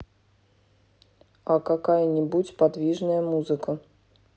а какая нибудь подвижная музыка